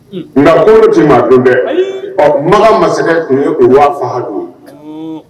Nka toti maa don bɛɛ ɔ makan masakɛ ye u'fa ha ye